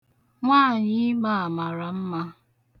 Nwaànyịime a mara mma.